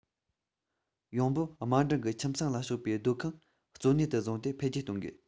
ཡོང འབབ དམའ འབྲིང གི ཁྱིམ ཚང ལ ཕྱོགས པའི སྡོད ཁང གཙོ གནད དུ བཟུང སྟེ འཕེལ རྒྱས གཏོང དགོས